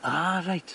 Ah reit.